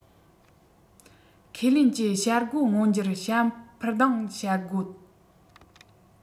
ཁས ལེན གྱིས བྱ རྒོད མངོན འགྱུར བྱ འཕུར ལྡང བྱ རྒོད